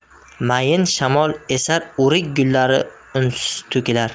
mayin shamol esar o'rik gullari unsiz to'kilar